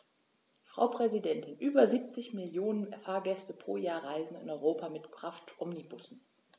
Frau Präsidentin, über 70 Millionen Fahrgäste pro Jahr reisen in Europa mit Kraftomnibussen.